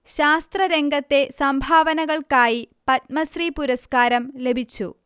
ശാസ്ത്ര രംഗത്തെ സംഭാവനകൾക്കായി പത്മശ്രീ പുരസ്കാരം ലഭിച്ചു